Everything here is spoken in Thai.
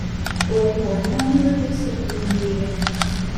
ปวดหัวหน้ามืดรู้สึกวิงเวียน